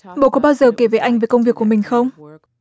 bố có bao giờ kể với anh về công việc của mình không